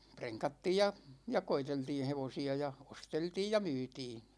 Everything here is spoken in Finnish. prenkattiin ja ja koeteltiin hevosia ja osteltiin ja myytiin